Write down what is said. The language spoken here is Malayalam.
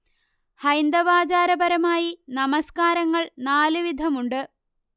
ഹൈന്ദവാചാരപരമായി നമസ്കാരങ്ങൾ നാല് വിധമുണ്ട്